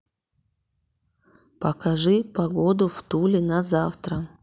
покажи погоду в туле на завтра